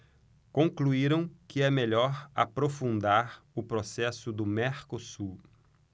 concluíram que é melhor aprofundar o processo do mercosul